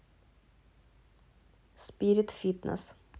спирит фитнес